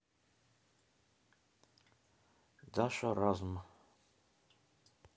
даша разм